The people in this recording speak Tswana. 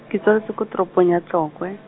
ke tsaletswe ko toropong ya Tlokwe .